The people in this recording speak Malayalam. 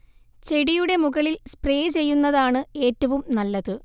ചെടിയുടെ മുകളിൽ സ്പ്രേ ചെയ്യുന്നതാണ് ഏറ്റവും നല്ലത്